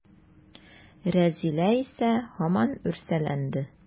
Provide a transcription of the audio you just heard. Рәзилә исә һаман үрсәләнде.